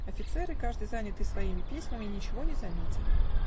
Офицеры, каждый занятый своими письмами, ничего не заметили.